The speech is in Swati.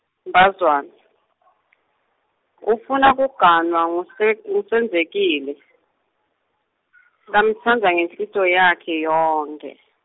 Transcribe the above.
Mbazwana ufuna kuganwa nguSe- nguSenzekile , lamtsandza ngenhlitiyo yakhe yonkhe.